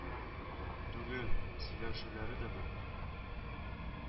Түгел, сөйләшүләре дә бер